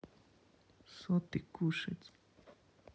соты кушать